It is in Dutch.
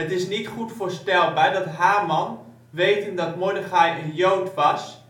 is niet goed voorstelbaar dat Haman wetend dat Mordechai een Jood was dit niet van Esther geweten